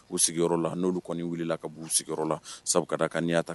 U sigiyɔrɔ la n'olu kɔni wulila ka' u sigiyɔrɔ la sabu ka kayaa ta